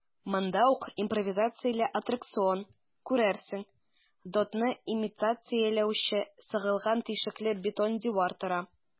Монда ук импровизацияле аттракцион - күрәсең, дотны имитацияләүче сыгылган тишекле бетон дивар тора.